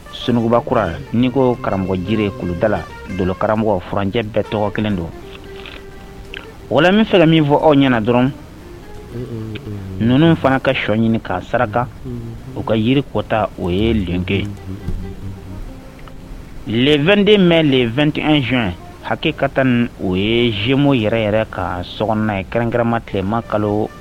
Sunkubakura ko karamɔgɔda la karamɔgɔuranjɛ bɛɛ kelen don walima min fana min fɔ aw ɲɛna dɔrɔn ninnu fana ka shɔ ɲini k ka saraka u ka yirikota o ye lenke len2den bɛ len2teɛny ye hakɛ ka taa ni o ye zmo yɛrɛ yɛrɛ ka so ye kɛrɛnkɛma tilema kalo